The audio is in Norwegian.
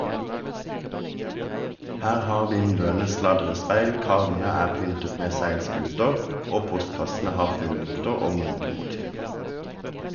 Her har vinduene sladrespeil, karmene er pyntet med seilskuter, og postkassene har fyrlykter og måkemotiv.